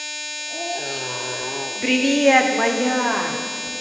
привет моя